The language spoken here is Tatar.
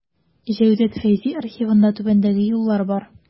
Җәүдәт Фәйзи архивында түбәндәге юллар бар.